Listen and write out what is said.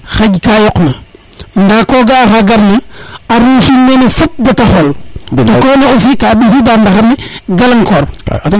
xaƴ ka yoq na nda ko ga a oxa gar na a ruus mene fop bata xool to kene aussi ka mbisida ndaxar ne galang koor